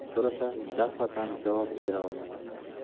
deb surasa daf'atan javob bera olmaydi